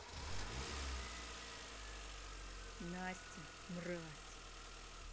настя мразь